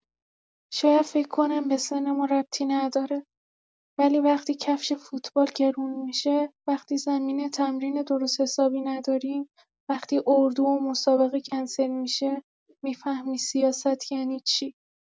شاید فکر کنن به سن ما ربطی نداره، ولی وقتی کفش فوتبال گرون می‌شه، وقتی زمین تمرین درست حسابی نداریم، وقتی اردو و مسابقه کنسل می‌شه، می‌فهمی سیاست یعنی چی.